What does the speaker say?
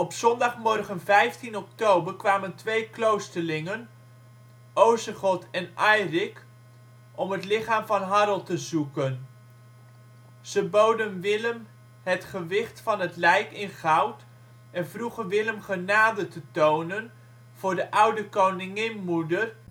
zondagmorgen 15 oktober kwamen twee kloosterlingen, Osegod en Airic, om het lichaam van Harold te zoeken. Ze boden Willem het gewicht van het lijk in goud, en vroegen Willem genade te tonen voor de oude koningin-moeder